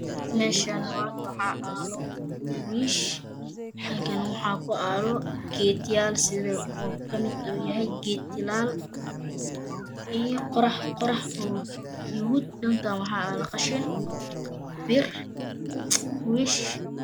Meeshaane waxaa aalo wiish. xagane waxaa u aalo geedyaal sida uu ka mid uu yahay geed "tilaal"mahan ee waa geed talaal. Iyo qorax qorax oo yahuud. dhankaan waxaa aalo qashin. bir, wiish